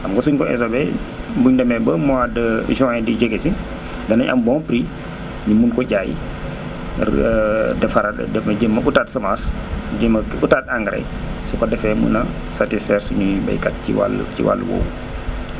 xam nga suñ ko stopé buñ demee ba mois de juin di jege si danañ am bon prix ñu mën ko jaay defaraat jéem a utaat semence jéem a utaat engrais su ko defee mën a satisfaire suñuy baykat yi ci wàllu ci wàllu woowu